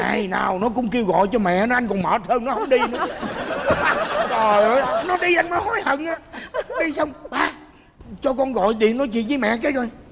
ngày nào nó cũng kêu gọi cho mẹ nó anh còn mệt hơn nó hông đi nữa trời ơi nó đi anh mới hối hận á đi xong ba cho con gọi điện nói chuyện với mẹ cái coi